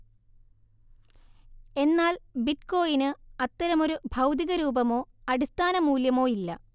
എന്നാൽ ബിറ്റ്കോയിന് അത്തരമൊരു ഭൗതികരൂപമോ അടിസ്ഥാന മൂല്യമോയില്ല